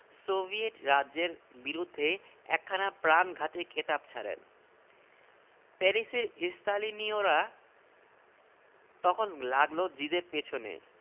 জিদে র জিগরে জোর চোট লাগল তিনি স্থির করলেন এদের একটা শিক্ষা দিতে হবে কাগজে বিজ্ঞাপন বেরল জিদ তাঁর লাইব্রেরিখানা নিলামে বেচে দেবেন বলে মনস্থির করেছেন